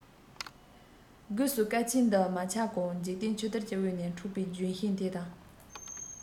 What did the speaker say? སྒོས སུ སྐལ ཆེན འདི མ ཆགས གོང འཇིག རྟེན ཆུ གཏེར གྱི དབུས ན འཁྲུངས པའི ལྗོན ཤིང དེ དང